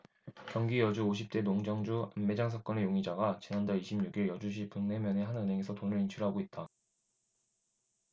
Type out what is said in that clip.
경기 여주 오십 대 농장주 암매장 사건의 용의자가 지난달 이십 육 일 여주시 북내면의 한 은행에서 돈을 인출하고 있다